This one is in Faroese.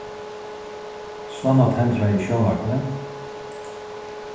svanna tendraði sjónvarpið